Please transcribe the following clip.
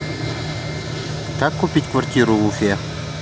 как купить квартиру в уфе